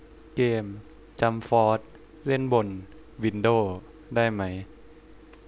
เกมจั้มฟอสเล่นบนวินโด้ได้ไหม